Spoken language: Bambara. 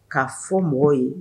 Ka fɔ mɔgɔw ye